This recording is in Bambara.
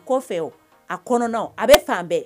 Kɔfɛ o, a kɔnɔna, a bɛ fan bɛɛ.